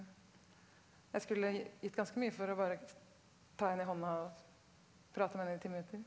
jeg skulle gitt ganske mye for å bare ta henne i hånda og prate med henne i ti minutter.